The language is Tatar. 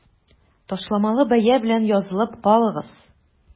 Ташламалы бәя белән язылып калыгыз!